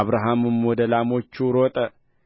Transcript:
አብርሃምም ወደ ላሞቹ ሮጠ